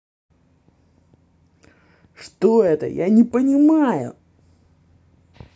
что это я не понимаю